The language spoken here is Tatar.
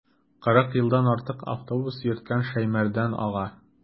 Кырык елдан артык автобус йөрткән Шәймәрдан ага.